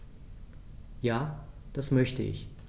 Ja, das möchte ich.